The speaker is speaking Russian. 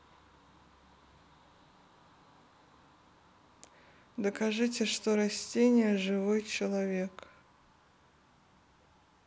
докажите что растения живой человек